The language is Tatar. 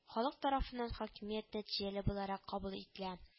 Халык тарафыннан хакимият нәтиҗәле буларак кабул ителә